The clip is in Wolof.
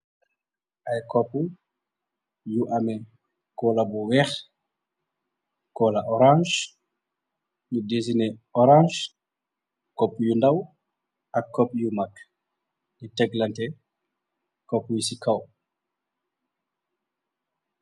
Ay kopp yu ame koola bu weex, koola orange, ñu desine orange , kopp yu ndaw ak kopp yu mag li teglante kopp yi ci kaw.